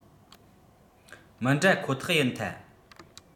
མི འདྲ ཁོག ཐག ཡིན ཐ